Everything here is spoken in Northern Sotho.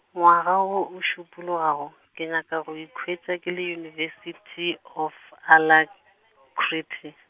ngwaga wo o šupologago, ke nyaka go ikhwetša ke le University of Alacrity.